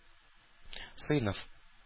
Сыйныф